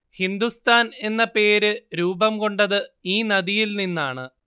ഹിന്ദുസ്ഥാൻ എന്ന പേര് രൂപം കൊണ്ടത് ഈ നദിയിൽ നിന്നാണ്